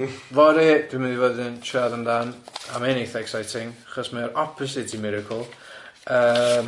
yym fory dwi'n mynd i fod yn siarad am dan a ma' hyn eitha exciting achos mae o'r opposite i miracle yym